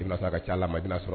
Ka ca ma sɔrɔ